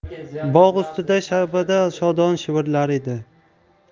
bog' ustida shabada shodon shivirlar edi